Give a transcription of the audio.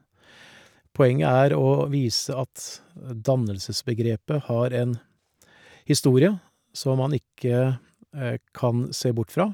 Poenget er å vise at dannelsesbegrepet har en historie, så man ikke kan se bort fra.